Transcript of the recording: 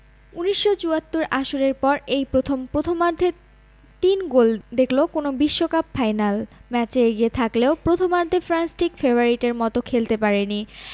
১৯৭৪ আসরের পর এই প্রথম প্রথমার্ধে তিন গোল দেখল কোনো বিশ্বকাপ ফাইনাল ম্যাচে এগিয়ে থাকলেও প্রথমার্ধে ফ্রান্স ঠিক ফেভারিটের মতো খেলতে পারেনি